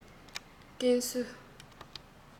ཀན སུའུ